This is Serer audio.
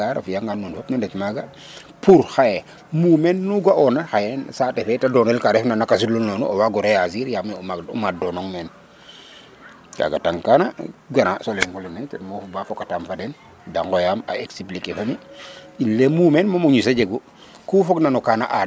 Dackar a fiya ngan nun fop nu ndet maga pour xaye mumeen nu ga ona xaye saate fe te donel ka ref na naka sudul nonu o wago réagir yaam o mad donoŋ meen kaga tang kana grand so leŋo lene ten mofu ba fokatam fo den de ŋoyam a expliquer fo mi in leye mumeen moom o ñisa jegu ku fog na noka na aran